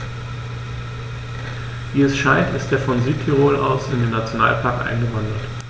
Wie es scheint, ist er von Südtirol aus in den Nationalpark eingewandert.